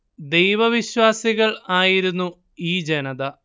ദൈവ വിശ്വാസികൾ ആയിരുന്നു ഈ ജനത